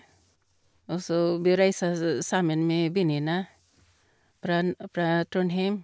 Og så vi reiser sammen med vennene fra n fra Trondheim.